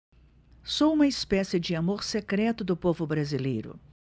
sou uma espécie de amor secreto do povo brasileiro